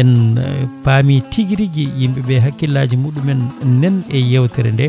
en paami tigui rigui yimɓe hakkillaji muɗumen naan e yewtere nde